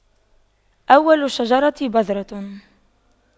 أول الشجرة بذرة